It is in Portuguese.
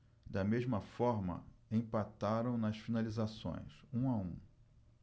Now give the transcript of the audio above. da mesma forma empataram nas finalizações um a um